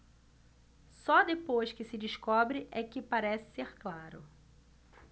só depois que se descobre é que parece ser claro